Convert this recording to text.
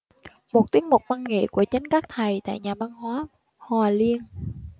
một tiết mục văn nghệ của chính các thầy tại nhà văn hóa hòa liên